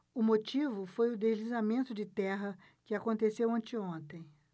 o motivo foi o deslizamento de terra que aconteceu anteontem